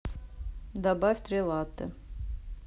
добавь три латте